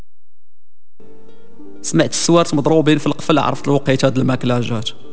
صور مضروبين في القفل اعرف الموقع جاد المكلا